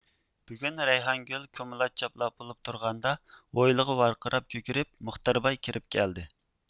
بۈگۈن رەيھانگۈل كۇمىلاچ چاپلاپ بولۇپ تۇرغاندا ھويلىغا ۋارقىراپ كۆكىرىپ مۇختەر باي كىرىپ كەلدى